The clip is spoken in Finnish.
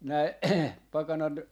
näin pakanat